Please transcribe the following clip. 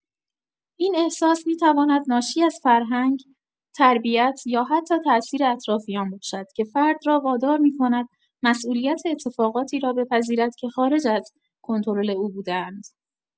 این احساس می‌تواند ناشی از فرهنگ، تربیت، یا حتی تاثیر اطرافیان باشد که فرد را وادار می‌کند مسئولیت اتفاقاتی را بپذیرد که خارج از کنترل او بوده‌اند.